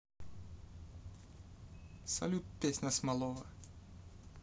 салют песня смолова